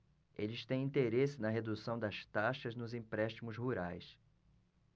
eles têm interesse na redução das taxas nos empréstimos rurais